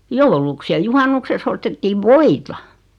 jouluksi ja juhannukseksi ostettiin voita